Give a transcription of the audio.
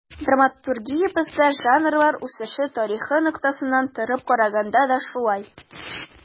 Драматургиябездә жанрлар үсеше тарихы ноктасынан торып караганда да шулай.